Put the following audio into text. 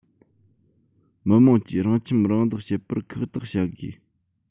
མི དམངས ཀྱིས རང ཁྱིམ རང བདག བྱེད པར ཁག ཐེག བྱ དགོས